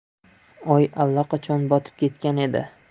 oy allaqachon botib ketgan edi